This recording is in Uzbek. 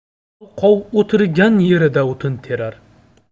yalqov o'tirgan yerida o'tin terar